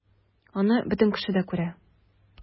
Аны бөтен кеше дә күрә...